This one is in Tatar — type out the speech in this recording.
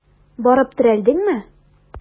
Барып терәлдеңме?